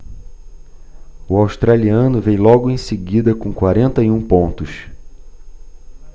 o australiano vem logo em seguida com quarenta e um pontos